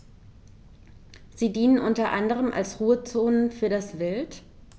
Sie dienen unter anderem als Ruhezonen für das Wild.